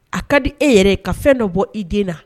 A ka di e yɛrɛ ka fɛn dɔ bɔ i den na